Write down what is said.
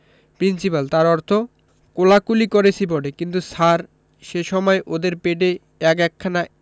principal তার অর্থ কোলাকুলি করেছি বটে কিন্তু স্যার সে সময় ওদের পেটে এক একখানা